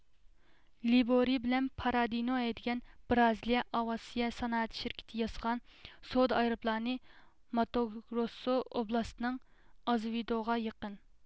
لېبورې بىلەن پارادىنو ھەيدىگەن برازىلىيە ئاۋىئاتسىيە سانائەت شىركىتى ياسىغان سودا ئايروپىلانى ماتوگروسسو ئوبلاستىنىڭ ئازېۋېدوغا يېقىن